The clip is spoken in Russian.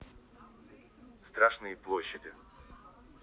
страшные площади